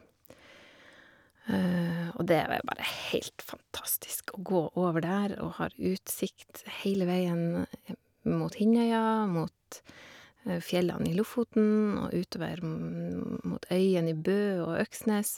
Og det er vel bare helt fantastisk å gå over der og har utsikt hele veien mot Hinnøya, mot fjellene i Lofoten, og utover mot øyene i Bø og Øksnes.